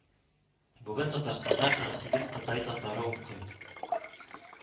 Бүген Татарстанда кырык сигез Кытай татары укый